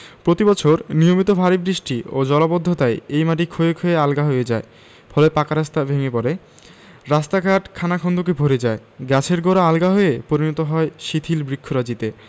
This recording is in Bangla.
প্রতিবছর নিয়মিত ভারি বৃষ্টি ও জলাবদ্ধতায় এই মাটি ক্ষয়ে ক্ষয়ে আলগা হয়ে যায় ফলে পাকা রাস্তা ভেঙ্গে পড়ে রাস্তাঘাট খানাখন্দকে ভরে যায় গাছের গোড়া আলগা হয়ে পরিণত হয় শিথিল বৃক্ষরাজিতে